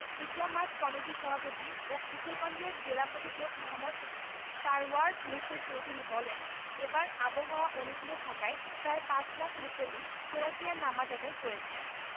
ঈদগাহ মাঠ কমিটির সভাপতি ও কিশোরগঞ্জের জেলা প্রশাসক মো. সারওয়ার মুর্শেদ চৌধুরী বলেন এবার আবহাওয়া অনুকূলে থাকায় প্রায় পাঁচ লাখ মুসল্লি শোলাকিয়ায় নামাজ আদায় করেছেন